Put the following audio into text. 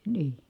niin